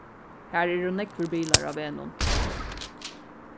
har eru nógvir bilar á vegnum